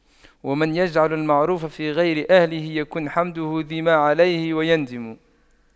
ومن يجعل المعروف في غير أهله يكن حمده ذما عليه ويندم